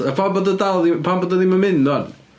Pam bod o dal ddi- pam bod o ddim yn mynd 'wan?